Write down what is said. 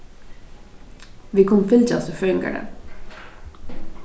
vit kunnu fylgjast í føðingardag